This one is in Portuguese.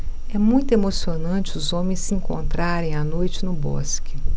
é muito emocionante os homens se encontrarem à noite no bosque